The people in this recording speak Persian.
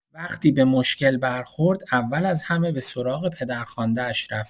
وقتی به مشکل برخورد، اول از همه به سراغ پدرخوانده‌اش رفت.